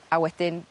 A wedyn